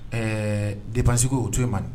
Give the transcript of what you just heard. Ɛɛ debasigi o to ye man